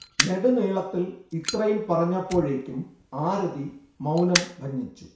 നെടുനീളത്തിൽ ഇത്രയും പറഞ്ഞപ്പോഴേക്കും ആരതി മൗനം ഭഞ്ജിച്ചു